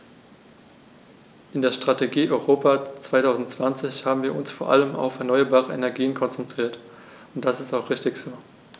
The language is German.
In der Strategie Europa 2020 haben wir uns vor allem auf erneuerbare Energien konzentriert, und das ist auch richtig so.